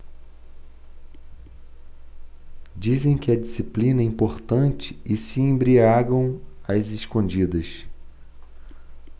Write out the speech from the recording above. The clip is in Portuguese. dizem que a disciplina é importante e se embriagam às escondidas